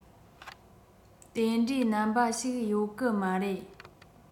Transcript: དེ འདྲའི རྣམ པ ཞིག ཡོད གི མ རེད